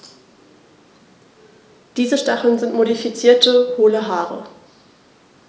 Diese Stacheln sind modifizierte, hohle Haare.